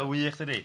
Ma'n wych dydi?